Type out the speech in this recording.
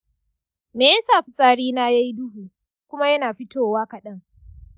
me yasa fitsari na ya yi duhu kuma yana fitowa kaɗan?